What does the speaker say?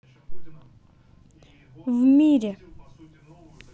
в мире